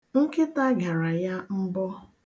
Nkịta gara ya mbọ.